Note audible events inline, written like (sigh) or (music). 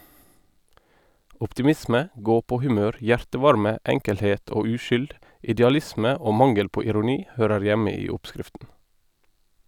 Optimisme, gåpåhumør, hjertevarme , enkelhet og uskyld, (inhales) idealisme og mangel på ironi, hører hjemme i oppskriften.